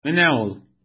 Менә ул.